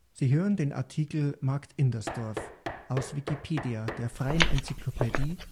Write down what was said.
Sie hören den Artikel Markt Indersdorf, aus Wikipedia, der freien Enzyklopädie